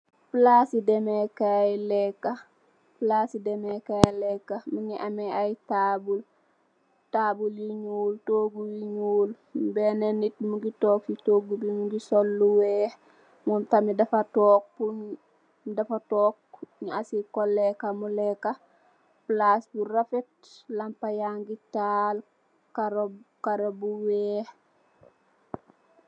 Palaci demekai leka palaci demekai leka mogi ameh ay tabul tabul yu nuul togu yu nuul bena nitt mogi tog si togu bi mogi sol lu weex momm tam dafa tog dafa tog nyu asil ko leka mu leka palac bu refet lampa yagi taal karo karo bu weex.